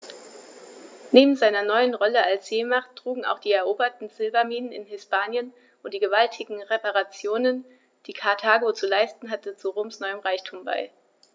Neben seiner neuen Rolle als Seemacht trugen auch die eroberten Silberminen in Hispanien und die gewaltigen Reparationen, die Karthago zu leisten hatte, zu Roms neuem Reichtum bei.